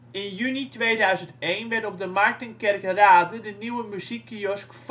In juni 2001 werd op de Markt in Kerkrade de nieuwe muziekkiosk